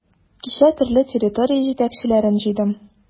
Кичә төрле территория җитәкчеләрен җыйдым.